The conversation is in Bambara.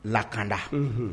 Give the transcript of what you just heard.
Lakanda unhun